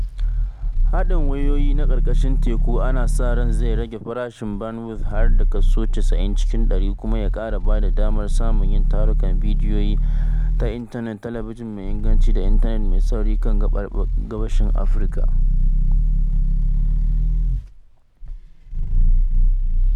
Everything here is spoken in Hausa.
Haɗin wayoyin na ƙarƙashin teku ana sa ran zai rage farashin bandwidth har da kaso 90 cikin 100, kuma ya ƙara bada damar samun yin tarukan bidiyo ta intanet, talabijin mai inganci, da intanet mai sauri a kan gaɓar gabashin Afirka.